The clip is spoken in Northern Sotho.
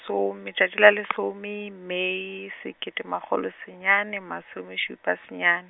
some, letšatši la lesome Mei, sekete makgolo senyane masome šupa senyane.